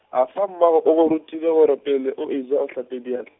afa mmago o go rutile gore pele o eja o hlape diatl-.